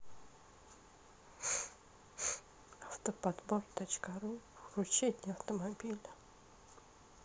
автоподбор точка ру вручение автомобиля